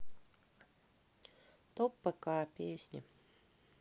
топ пк песни